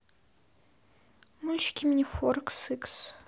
мультики минифорс икс